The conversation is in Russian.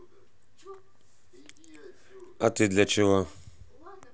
а ты для чего